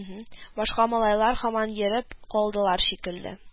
Башка малайлар һаман йөреп калдылар шикелле